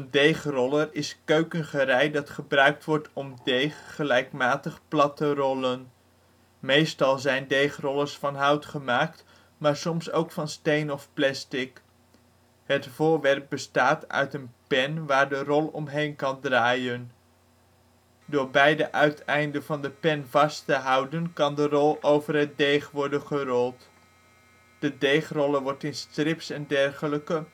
deegroller is keukengerei dat gebruikt wordt om deeg gelijkmatig plat te rollen. Meestal zijn deegrollers van hout gemaakt, maar soms ook van steen of plastic. Het voorwerp bestaat uit een pen waar de rol omheen kan draaien; door beide uiteinden van de pen vast te houden kan de rol over het deeg worden gerold. De deegroller wordt in strips en dergelijke